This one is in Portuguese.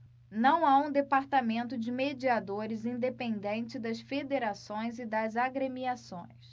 não há um departamento de mediadores independente das federações e das agremiações